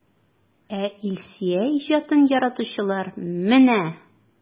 Ә Илсөя иҗатын яратучылар менә!